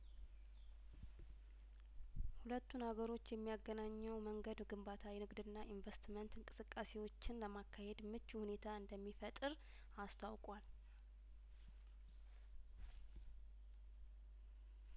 ሁለቱን አገሮች የሚያገናኘው መንገድ ግንባታ የንግድና ኢንቨስተመንት እንቅስቃሴዎችን ለማካሄድምቹ ሁኔታ እንደሚፈጥር አስታውቋል